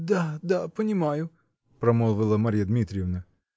Да, да, понимаю, -- промолвила Марья Дмитриевна.